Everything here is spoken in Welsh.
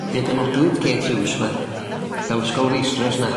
fe benodwyd Kate Hughes 'ma fel ysgol feistres 'na.